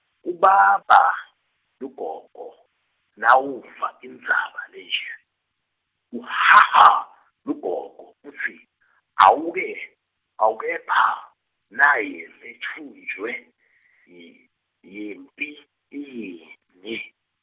kubaba, lugogo, nawuva indzaba lenje, kuhaha, lugogo, kutsi, awu ke, awu kepha, naye sitfunjwe, yi, yimphi, yini.